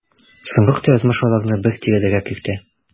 Соңрак та язмыш аларны бер тирәдәрәк йөртә.